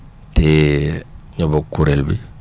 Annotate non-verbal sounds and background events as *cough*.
te *hesitation* énoo bokk kuréel bi